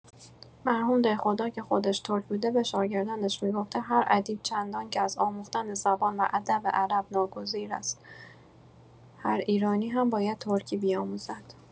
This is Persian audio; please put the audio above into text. مرحوم دهخدا که خودش ترک بوده به شاگردانش می‌گفته هر ادیب چندانکه از آموختن زبان و ادب عرب ناگزیر است، هر ایرانی هم باید ترکی بیاموزد.